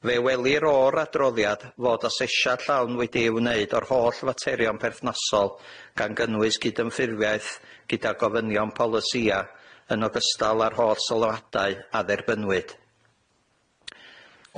Fe welir o'r adroddiad fod asesiad llawn wedi'i wneud o'r holl faterion perthnasol, gan gynnwys gyd-ymffurfiaeth gyda gofynion polisia, yn ogystal â'r holl sylwadau a dderbynwyd.